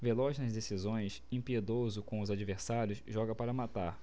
veloz nas decisões impiedoso com os adversários joga para matar